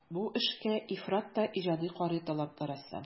Бу эшкә ифрат та иҗади карый талантлы рәссам.